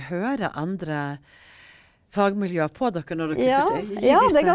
hører andre fagmiljøer på dere når dere gir disse?